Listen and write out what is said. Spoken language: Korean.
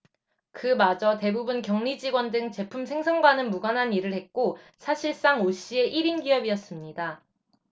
그마저 대부분 경리직원 등 제품 생산과는 무관한 일을 했고 사실상 오 씨의 일 인 기업이었습니다